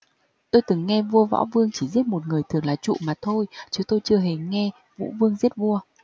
tôi từng nghe vua võ vương chỉ giết một người thường là trụ mà thôi chứ tôi chưa hề nghe vũ vương giết vua